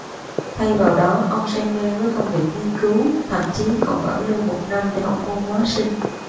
thay vào đó ông say mê với công việc nghiên cứu thậm chí còn bảo lưu một năm để học môn hóa sinh